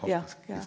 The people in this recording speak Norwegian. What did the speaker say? ja ja.